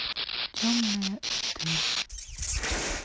темная этель